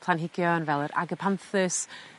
planhigion fel yr Agapanthus